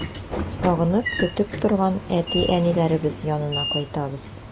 Сагынып көтеп торган әти-әниләребез янына кайтабыз.